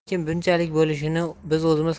lekin munchalik bo'lishini biz o'zimiz